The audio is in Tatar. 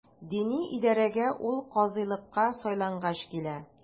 Дини идарәгә ул казыйлыкка сайлангач килә.